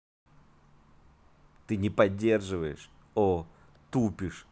ты не поддерживаешь о тупишь